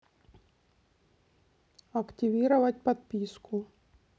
активировать подписку